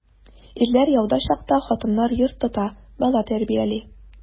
Ирләр яуда чакта хатыннар йорт тота, бала тәрбияли.